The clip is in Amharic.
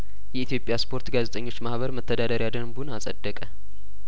የኢትዮጵያ ስፖርት ጋዜጠኞች ማህበር መተዳደሪያ ደንቡን አጸደቀ